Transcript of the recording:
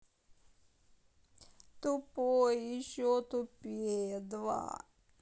тупой и еще тупее два